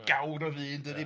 gawr o ddyn dydi? Ia.